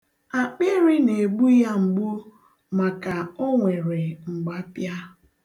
Akpịrị na-egbu ya mgbu maka o nwere mgbapịa.